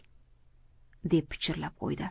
deb pichirlab qo'ydi